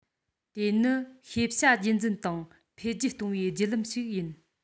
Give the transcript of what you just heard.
དེ ནི ཤེས བྱ རྒྱུད འཛིན དང འཕེལ རྒྱས གཏོང བའི བརྒྱུད ལམ ཞིག ཡིན